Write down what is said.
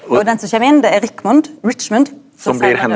og den som kjem inn det er Rikmund Richmund .